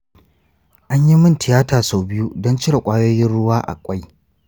an yi min tiyata sau biyu don cire ƙwayoyin ruwa a ƙwai.